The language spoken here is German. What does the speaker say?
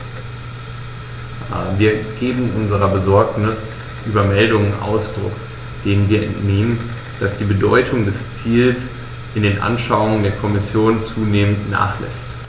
Wir geben unserer Besorgnis über Meldungen Ausdruck, denen wir entnehmen, dass die Bedeutung dieses Ziels in den Anschauungen der Kommission zunehmend nachlässt.